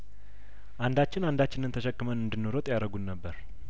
አንዳችን አንዳችንን ተሸክመን እንድንሮጥ ያርጉን ነበር